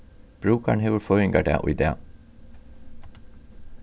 brúkarin hevur føðingardag í dag